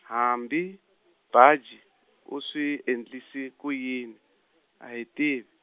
hambi, Baji, u swi endlise ku yini, a hi tivi.